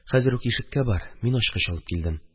Хәзер үк ишеккә бар, мин ачкыч алып килдем.